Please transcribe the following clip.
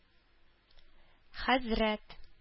Хәзрәт